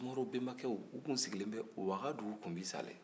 sumaworo bɛnbakɛw o tun sigilen bɛ wagadu kunbi sale